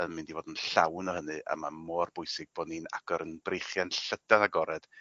yn mynd i fod yn llawn o hynny a ma' mor bwysig bo' ni'n agor 'yn breichie'n llydan agored